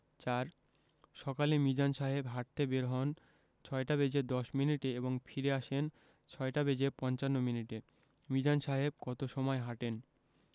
৪ সকালে মিজান সাহেব হাঁটতে বের হন ৬টা বেজে ১০ মিনিটে এবং ফিরে আসেন ৬টা বেজে পঞ্চান্ন মিনিটে মিজান সাহেব কত সময় হাঁটেন